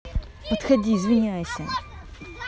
подходи извиняйся